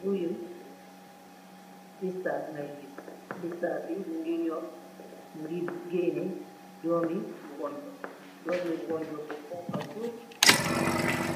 guyë ba ngay bissar bi mungi ñor mu ngi géene doomi wonjo doomi wonjo bu konka cu